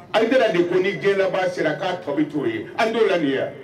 An kɛra de ko ni j labanbaa sera k'a tɔbi cogo o ye an'o la ninya